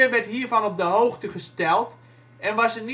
werd hiervan op de hoogte gesteld en was